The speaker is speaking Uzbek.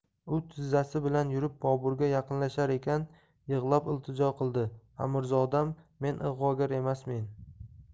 u tizzasi bilan yurib boburga yaqinlashar ekan yig'lab iltijo qildi amirzodam men ig'vogar emasmen